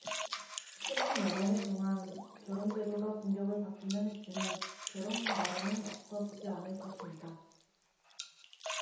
최근 여러 해 동안 결혼 제도가 공격을 받기는 했지만 결혼 마련은 없어지지 않을 것입니다